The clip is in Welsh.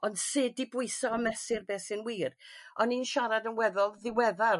ond sud i bwyso a mesur beth sy'n wir. O'n i'n siarad yn weddol ddiweddar